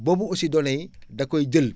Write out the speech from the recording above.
boobu aussi données yi da koy jël